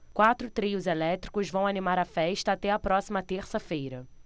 quatro trios elétricos vão animar a festa até a próxima terça-feira